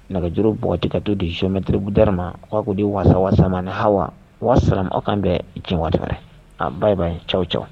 Nɛgɛjuru bɔgɔti ka t'o di geometre ma k'a ko di waasa waasa man ,Hawa, aw k'an bɛn diɲɛ waati wɛrɛ man. Aw k'an bɛn bye bye, tiao, tiao